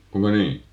kuinka niin